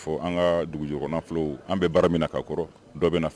Ka dugu an bɛ bara min kɔrɔ dɔw bɛ